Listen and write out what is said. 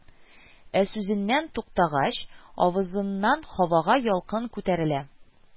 Ә сүзеннән туктагач, авызыннан һавага ялкын күтәрелә